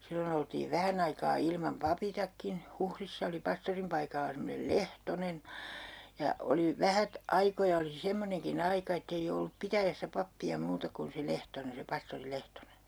silloin oltiin vähän aikaa ilman papittakin Huhdissa oli pastorin paikalla semmoinen Lehtonen ja oli vähät aikoja oli semmoinenkin aika että ei ollut pitäjässä pappia muuta kuin se Lehtonen se pastori Lehtonen